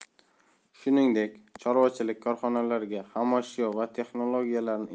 shuningdek chorvachilik korxonalariga xomashyo va texnologiyalarni